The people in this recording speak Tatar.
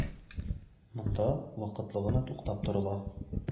Монда вакытлы гына туктап торыла.